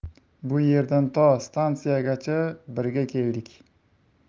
bu yerdan to stansiyagacha birga keldik